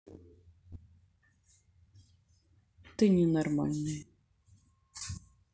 ты ненормальная